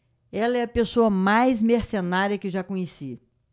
ela é a pessoa mais mercenária que já conheci